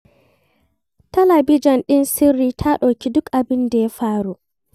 Talabijin ɗin sirri ta ɗauki duk abin da ya faru.